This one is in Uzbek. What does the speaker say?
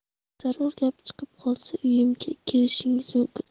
zarur gap chiqib qolsa uyimga kelishingiz mumkin